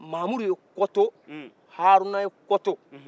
mmudu ye kɔto haruna ye kɔto